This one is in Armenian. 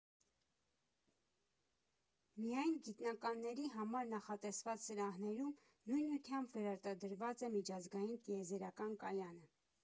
Միայն գիտնականների համար նախատեսված սրահներում նույնությամբ վերարտադրված է միջազգային տիեզերական կայանը։